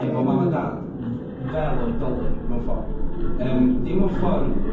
efo mam a dad f- fel oedolyn mewn ffor, yym dim mewn ffor